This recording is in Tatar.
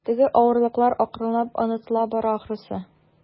Теге авырлыклар акрынлап онытыла бара, ахрысы.